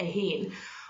eu hun